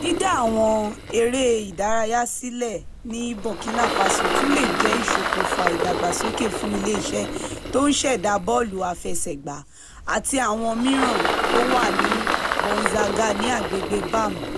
Dídá àwọn eré ìdárayá sílẹ̀ ni Burkina Faso tún lè jẹ́ iṣokùnfà Ìdàgbàsókè fún iléeṣẹ̀ tó ń ṣẹda bọ́ọ̀lù àfẹsẹ̀gbá (àti àwọn mìíràn) tó wà ní Bourzanga ní agbègbè Bam.